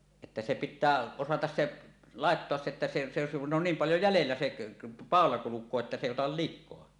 että se pitää osata se laittaa se että se se se kun on niin paljon jäljellä se paula kulkee että se ei ota likaa